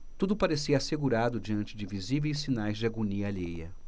tudo parecia assegurado diante de visíveis sinais de agonia alheia